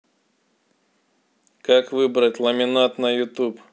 как выбрать ламинат на ютуб